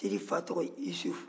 sidi fa tɔgɔ yusufu